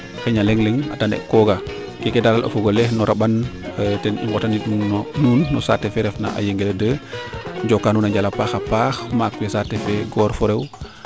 xanj na leŋ leŋ a tane kooga keke daal o fogole no ramban teni ngotan iid u nun no saate fe ref na a yengele 2 njoka nuun a njal a paaxa paax maak we saate fe goor fo rew